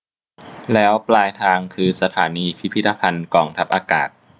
แล้วปลายทางคือสถานีพิพิธภัณฑ์กองทัพอากาศ